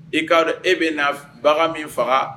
I ka e bɛ na bagan min faga